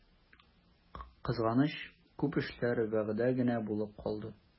Кызганыч, күп эшләр вәгъдә генә булып калды.